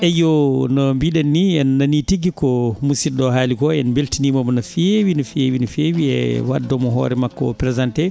eeyo no mbiɗen nii en nanii tigi ko musiɗɗo o haali ko en mbeltiniima mo no feewi no feewi e waddemo hoore makko présenté